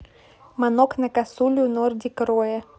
манок на косулю нордик рое